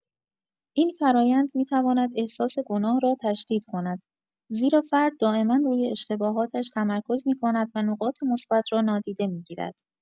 این فرآیند می‌تواند احساس گناه را تشدید کند، زیرا فرد دائما روی اشتباهاتش تمرکز می‌کند و نقاط مثبت را نادیده می‌گیرد.